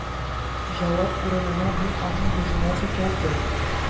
Җавап урынына мин аның йөзенә текәлдем